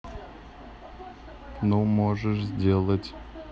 ну можешь сделать